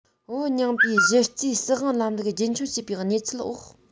བོད རྙིང པའི གཞི རྩའི སྲིད དབང ལམ ལུགས རྒྱུན འཁྱོངས བྱས པའི གནས ཚུལ འོག